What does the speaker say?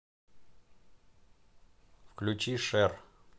включи шер